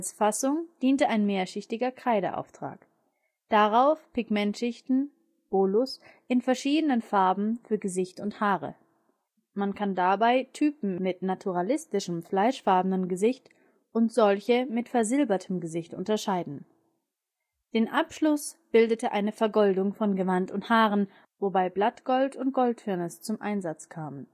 Fassung diente ein mehrschichtiger Kreideauftrag, darauf Pigmentschichten (Bolus) in verschiedenen Farben für Gesicht und Haare. Man kann dabei Typen mit naturalistischem, fleischfarbenem Gesicht und solche mit versilbertem Gesicht unterscheiden. Den Abschluss bildete eine Vergoldung von Gewand und Haaren, wobei Blattgold und Goldfirnis zum Einsatz kamen